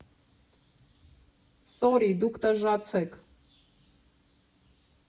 Սորի, դուք տժժացեք։